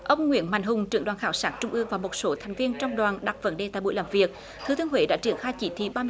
ông nguyễn mạnh hùng trưởng đoàn khảo sát trung ương và một số thành viên trong đoàn đặt vấn đề tại buổi làm việc thừa thiên huế đã triển khai chỉ thị ba